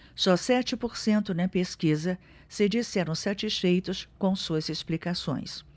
só sete por cento na pesquisa se disseram satisfeitos com suas explicações